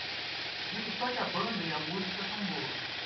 digo só que a banda e a música são boas